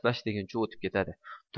pash deguncha o'tib ketadi